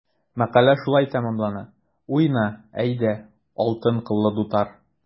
Мәкалә шулай тәмамлана: “Уйна, әйдә, алтын кыллы дутар!"